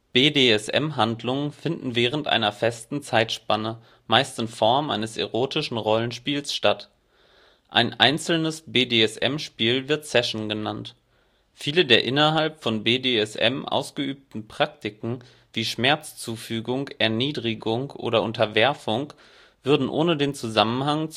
BDSM-Handlungen finden während einer festen Zeitspanne meist in Form eines erotischen Rollenspiels statt; ein einzelnes BDSM-Spiel wird Session genannt. Viele der innerhalb von BDSM ausgeübten Praktiken wie Schmerzzufügung, Erniedrigung oder Unterwerfung würden ohne den Zusammenhang